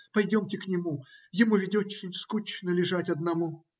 Пойдемте к нему; ему ведь очень скучно лежать одному.